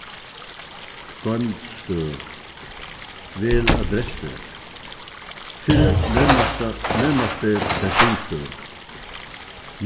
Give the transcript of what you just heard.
goymd støð vel adressu finn nærmasta nærmasti bensinstøð